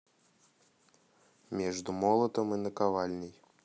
между молотом и наковальней